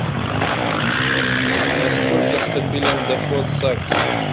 насколько стабилен доход с акций